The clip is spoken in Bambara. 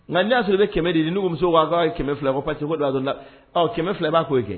Nka n y'a sɔrɔ i bɛ kɛmɛmɛ de ni nmuso'a kɛmɛ fila pa que don la kɛmɛ fila b'a'o ye kɛ